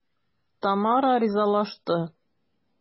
Тамара ризалашты.